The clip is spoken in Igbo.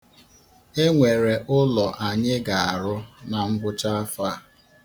E nwere ụlọ anyị ga-arụ na ngwụchaafọ a.